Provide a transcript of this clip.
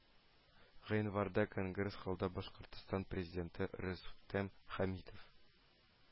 Гыйнварда конгресс-холлда башкортстан президенты рөстәм хәмитов